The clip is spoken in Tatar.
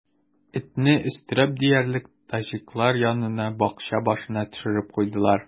Этне, өстерәп диярлек, таҗиклар янына, бакча башына төшереп куйдылар.